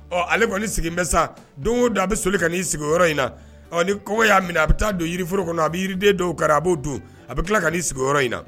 Ɔ ale kɔni sigilen bɛ sa don da a bɛ so ka'i sigiyɔrɔ in na ɔ ni y'a minɛ a bɛ taa don jirioro kɔnɔ a bɛ yiriden dɔw ka a b'o don a bɛ tila ka'i sigiyɔrɔ in na